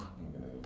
na gën a yokk